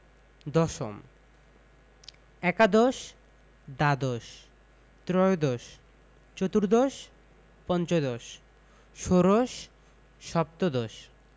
দশম একাদশ দ্বাদশ ত্ৰয়োদশ চতুর্দশ পঞ্চদশ ষোড়শ সপ্তদশ